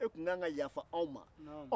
e tun ka kan ka yaafa anw ma nka